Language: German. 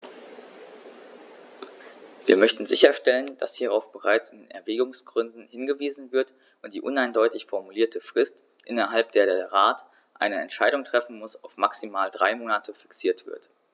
Wir möchten sicherstellen, dass hierauf bereits in den Erwägungsgründen hingewiesen wird und die uneindeutig formulierte Frist, innerhalb der der Rat eine Entscheidung treffen muss, auf maximal drei Monate fixiert wird.